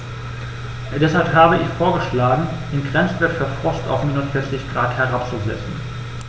Deshalb habe ich vorgeschlagen, den Grenzwert für Frost auf -40 ºC herabzusetzen.